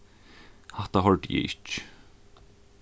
hatta hoyrdi eg ikki